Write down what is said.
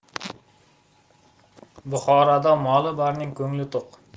buxoroda moli borning ko'ngli to'q